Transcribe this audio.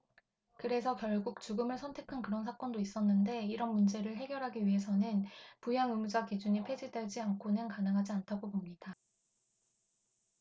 그래서 결국 죽음을 선택한 그런 사건도 있었는데 이런 문제를 해결하기 위해서는 부양의무자 기준이 폐지되지 않고는 가능하지 않다고 봅니다